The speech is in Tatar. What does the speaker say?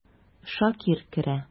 Шакир керә.